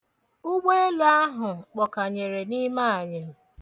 Ụgbọelu ahụ kpọkanyere n'ime anyịm.